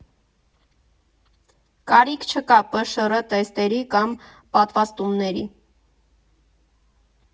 Կարիք չկա ՊՇՌ֊թեստերի կամ պատվաստումների։